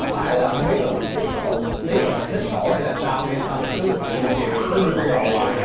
có phải là không biết là mình thích cổ biết là mình thích cổ hay là sao hay sao mà cứ chiều chiều là cứ đi mua đồ hoài